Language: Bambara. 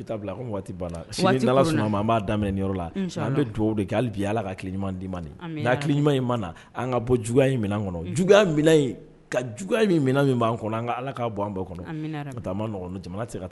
Bi ta bila comme waati banna waati koronna sini n'Ala sɔnn'a ma an b'a daminɛ nin yɔrɔ la inchallah an be duwawu de kɛ halibi Ala ka hakili ɲuman d'i ma nin amina rabi ni hakili ɲuman in mana an ŋa bɔ juguya in minan ŋɔnɔ juguya minan in ka juguya min minan min b'an kɔnɔ Ala k'a bɔ an bɛ kɔnɔ amina rabi ɲɔntɛ a ma nɔgɔn no jamana te se ka t